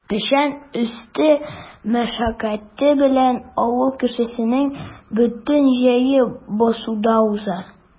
Печән өсте мәшәкате белән авыл кешесенең бөтен җәе басуда уза.